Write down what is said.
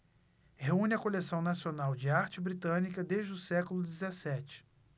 reúne a coleção nacional de arte britânica desde o século dezessete